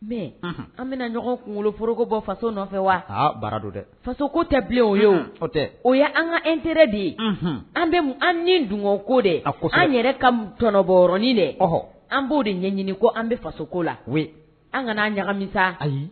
Mɛ an bɛna ɲɔgɔn kunkoloforokobɔ faso nɔfɛ waɔn bara don dɛ fasoko tɛ bilen o ye tɛ o ye an ka n teriɛrɛ de ye an bɛ an ni dun ko de a ko anan yɛrɛ ka tɔnɔbɔɔrɔnin dɛ ɔɔ an b'o de ɲɛ ɲini ko an bɛ fasoko la an ka n'an ɲagamisa ayi